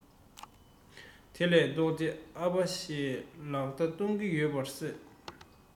དེ ལས ལྡོག སྟེ ཨ ཕ ཞེས ལག བརྡ གཏོང གི ཡོད པར སེམས